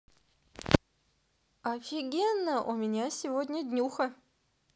офигенно у меня сегодня днюха